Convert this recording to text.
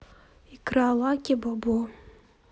игра лаки бобо